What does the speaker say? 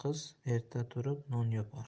yomon qiz erta turib non so'rar